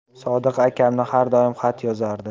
sodiq akam har doim xat yozardi